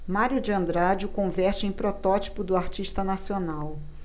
mário de andrade o converte em protótipo do artista nacional